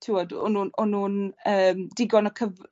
t'wod o'n nw'n o'n nw'n yym digon o cyf-